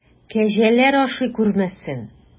Кәҗәләр ашый күрмәсен!